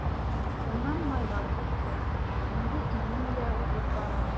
Шуннан майга күчте, инде июнь дә узып бара.